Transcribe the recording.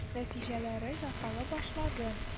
Нәтиҗәләре ясала башлады